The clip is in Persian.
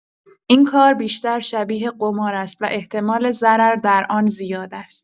این کار بیشتر شبیه قمار است و احتمال ضرر در آن زیاد است.